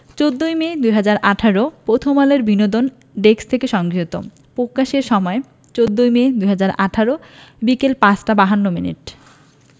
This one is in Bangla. ১৪ই মে ২০১৮ প্রথমআলোর বিনোদন ডেস্কথেকে সংগ্রহীত প্রকাশের সময় ১৪মে ২০১৮ বিকেল ৫টা ৫২ মিনিট